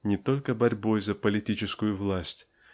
не только борьбой за политическую власть